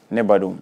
Ne ba don